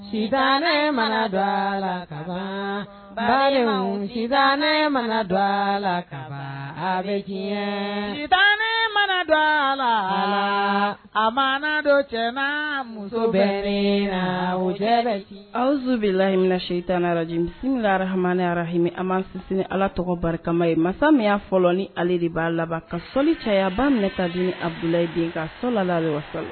Mana dɔ la a mana dɔ cɛ muso bɛ la aw bɛ lahimina se tan arara hama arahimi a ma sin ni ala tɔgɔ barikama ye masaya fɔlɔ ni ale de b'a laban ka so sayayaba minɛ ka di a bilalayiden ka so la wasa la